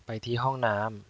ไปที่ห้องน้ำ